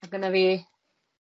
aM' gynna fi